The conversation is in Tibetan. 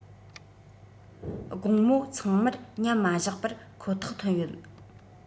དགོང མོ ཚང མར ཉམས མ བཞག པར ཁོ ཐག ཐོན ཡོད